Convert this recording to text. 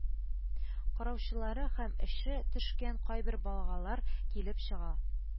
Караучылары һәм эше төшкән кайбер багалар килеп чыга